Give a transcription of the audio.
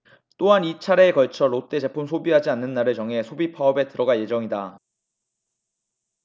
또한 이 차례에 걸쳐 롯데 제품 소비하지 않는 날을 정해 소비 파업에 들어갈 예정이다